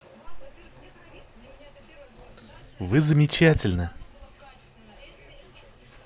вы замечательно